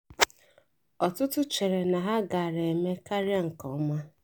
Ọtụtụ cheere na ha gaara eme karịa nkeọma.